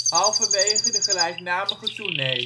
halverwege de gelijknamige tournee